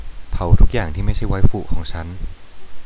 เผาทุกอย่างที่ไม่ใช่ไวฟุของฉัน